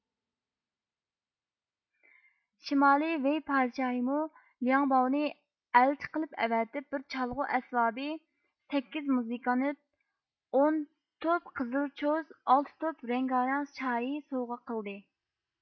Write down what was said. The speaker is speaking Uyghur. شىمالىي ۋېي پادىشاھىمۇ لياڭباۋنى ئەلچى قىلىپ ئەۋەتىپ بىر چالغۇ ئەسۋابى سەككىز مۇزىكانت ئون توپ قىزىل چوز ئالتە توپ رەڭگارەڭ شايى سوۋغا قىلدى